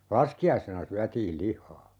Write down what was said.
laskiaisena syötiin lihaa